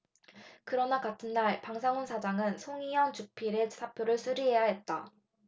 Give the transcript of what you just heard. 그러나 같은 날 방상훈 사장은 송희영 주필의 사표를 수리해야 했다